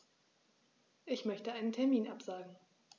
Ich möchte einen Termin absagen.